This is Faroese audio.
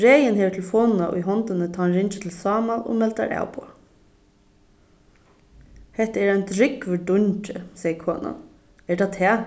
regin hevur telefonina í hondini tá hann ringir til sámal og meldar avboð hetta er ein drúgvur dungi segði konan er tað tað